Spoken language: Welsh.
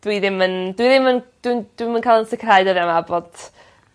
dwi ddim yn dwi ddim yn dwi'n dwi'm yn ca'l 'yn sicirhau dyddia 'ma bot